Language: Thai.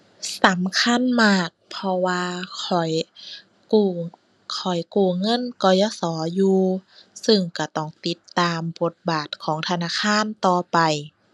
สำคัญมาก เพราะว่าข้อยกู้ ข้อยกู้เงิน กยศ. อยู่ ซึ่งก็ต้องติดตามบทบาทของธนาคารต่อไป